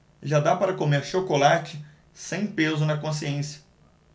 já dá para comer chocolate sem peso na consciência